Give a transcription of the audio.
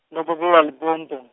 ndo khou dzula Limpopo.